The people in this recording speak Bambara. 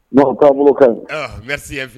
Mɔgɔw' bolo ka ɲi n bɛ sifɛ